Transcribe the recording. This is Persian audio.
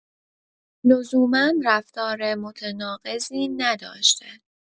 لزوما رفتار متناقضی نداشته.